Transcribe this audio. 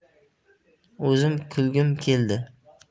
o'zim kulgim keldi